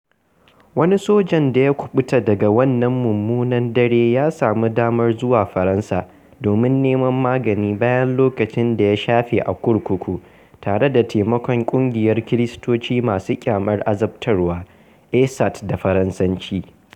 Wani sojan da ya kuɓuta daga wannan mummunan daren ya samu damar zuwa Faransa domin neman magani bayan lokacin da ya shafe a kurkuku tare da taimakon ƙungiyar Kiristoci masu ƙyamar Azabtarwa (ACAT da Faransanci).